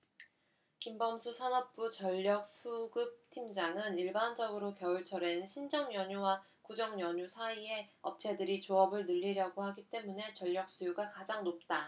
김범수 산업부 전력수급팀장은 일반적으로 겨울철엔 신정연휴와 구정연휴 사이에 업체들이 조업을 늘리려고 하기 때문에 전력수요가 가장 높다